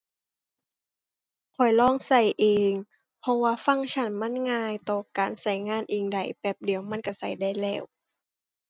ค่อยลองใช้เอง เพราะว่าฟังก์ชันมันง่ายต่อการใช้งานเองได้ แป๊บเดียวมันใช้ใช้ได้แล้ว